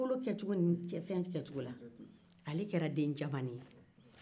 ale kɛra den jamanen ye